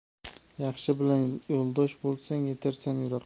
yaxshi bilan yo'ldosh bo'lsang yetarsan yiroqqa